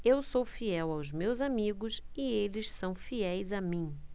eu sou fiel aos meus amigos e eles são fiéis a mim